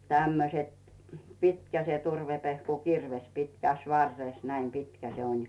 tämmöiset pitkä se turvepehkukirves pitkässä varressa näin pitkä se on